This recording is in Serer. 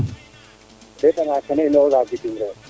o ndeeta nga keena inora bitim reew